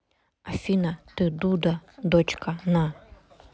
афина ты дуда дочка на